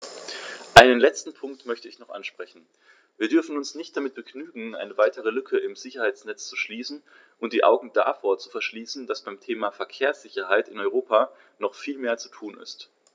Einen letzten Punkt möchte ich noch ansprechen: Wir dürfen uns nicht damit begnügen, eine weitere Lücke im Sicherheitsnetz zu schließen und die Augen davor zu verschließen, dass beim Thema Verkehrssicherheit in Europa noch viel mehr zu tun ist.